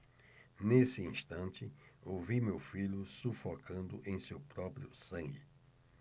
nesse instante ouvi meu filho sufocando em seu próprio sangue